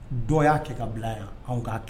Dɔw y'a kɛ ka bila yan anw k'a kɛ